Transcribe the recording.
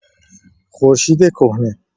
خورشید کهنه